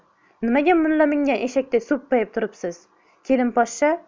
nimaga mulla mingan eshakdek so'ppayib turibsiz kelinposhsha